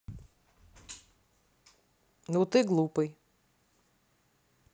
ну ты глупый